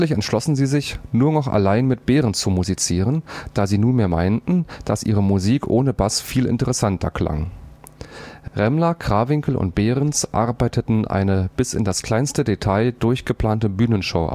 entschlossen sie sich, nur noch allein mit Behrens zu musizieren, da sie nunmehr meinten, dass ihre Musik ohne Bass viel interessanter klang. Remmler, Krawinkel und Behrens arbeiteten eine bis in das kleinste Detail durchgeplante Bühnenshow